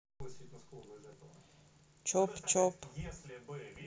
чоп чоп